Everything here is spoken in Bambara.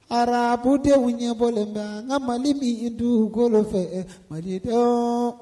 Arababu den ɲɛbɔlen nka n nka mali min i dukolo fɛ maria dɔn